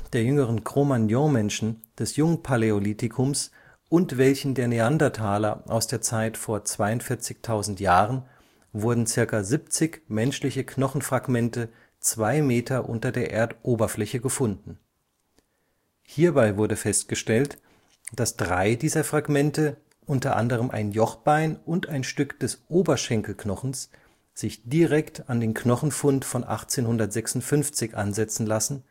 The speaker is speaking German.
der jüngeren Cro-Magnon-Menschen des Jungpaläolithikums und welchen der Neandertaler aus der Zeit vor 42.000 Jahren wurden circa 70 menschliche Knochenfragmente zwei Meter unter der Erdoberfläche gefunden. Hierbei wurde festgestellt, dass drei dieser Fragmente, unter anderem ein Jochbein und ein Stück des Oberschenkelknochens, sich direkt an den Knochenfund von 1856 ansetzen lassen